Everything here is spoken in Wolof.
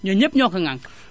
ñoom ñépp ñoo ko ŋànk